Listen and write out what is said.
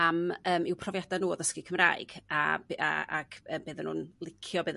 am yym i'w profiada' n'w o ddysgu Cymraeg a be o'dda n'w'n licio a be o'dda